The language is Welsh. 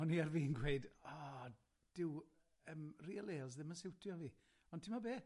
O'n i ar fin gweud, o, duw, yym, real ales ddim yn siwtio fi, ond timod be?